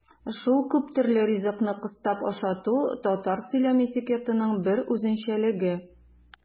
Шул күптөрле ризыкны кыстап ашату татар сөйләм этикетының бер үзенчәлеге.